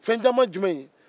fɛn caman jumɛn